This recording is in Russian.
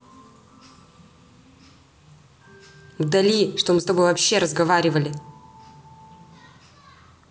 удали что мы с тобой вообще разговаривали